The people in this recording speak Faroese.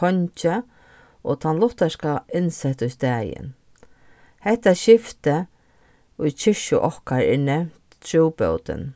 kongi og tann lutherska innsett í staðin hetta skiftið í kirkju okkara er nevnt trúbótin